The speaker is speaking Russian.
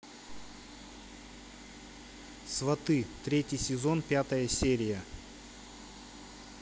сваты третий сезон пятая серия